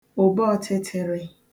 òbeọtịtịrị